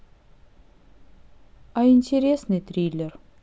а интересный триллер